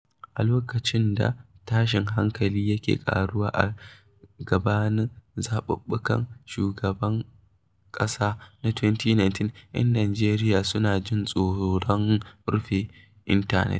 A lokacin da tashin hankalin yake ƙaruwa a gabanin zaɓuɓɓukan shugaban ƙasa na 2019, 'yan Najeriya suna jin tsoron rufe intanet.